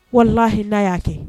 Walahila y'a kɛ